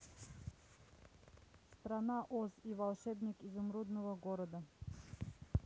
страна оз и волшебник изумрудного города